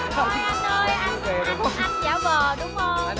ôi anh ơi anh anh anh giả vờ đúng không